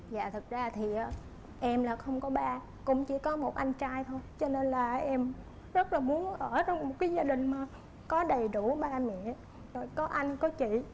dạ thực ra thì em là không có ba cũng chỉ có một anh trai thôi cho nên là em rất là muốn ở trong một gia đình có đầy đủ ba mẹ rồi có anh có chị